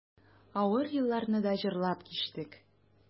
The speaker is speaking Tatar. Авыр елларны да җырлап кичтек.